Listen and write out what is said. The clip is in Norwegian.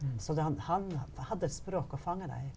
så det han han hadde et språk å fange deg i?